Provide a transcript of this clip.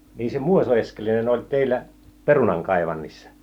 niin se Muoso Eskelinen oli teillä perunankaivannassa